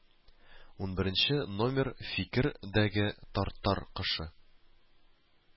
Унберенче номер фикер дәге тартар кошы